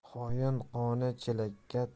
xoin qoni chelakka